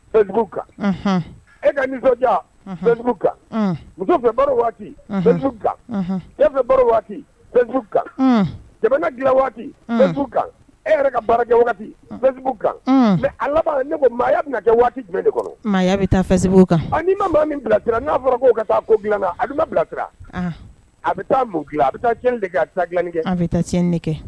Dugu kan e ka nisɔndiyadugu kan muso baro waati kan e fɛ baro waati kan jamana dilanla waati kan e yɛrɛ ka bara kɛ kan mɛ a laban ne ko maaya bɛna kɛ waati jumɛn de kɔnɔ maa bɛ taa fɛbugu kan ani ni ma maa min bilasira n'a fɔra k ko ka taa ko bilana a bɛ bilasira a bɛ taa mu dilan a bɛ taaɲɛn de kɛ a taa dilali kɛ a bɛ taa tiɲɛnni kɛ